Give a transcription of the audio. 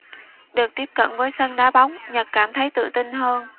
được tiếp cận với sân đá bóng nhật cảm thấy tự tin hơn